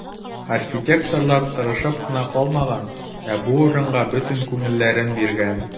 Архитекторлар тырышып кына калмаган, ә бу урынга бөтен күңелләрен биргән.